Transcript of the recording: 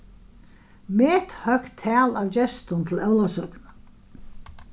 methøgt tal av gestum til ólavsøkuna